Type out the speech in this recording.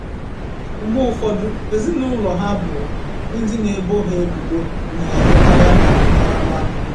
Mgbe ụfọdụ, ezinaụlọ ha bụ ndị na-ebo ha ebubo na-ewetara ha ntaramahụhụ.